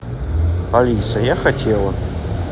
алиса я хотела